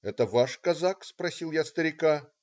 "Это ваш казак?" - спросил я старика.